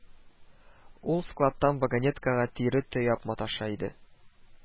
Ул складтан вагонеткага тире төяп маташа иде